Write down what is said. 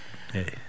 eeyi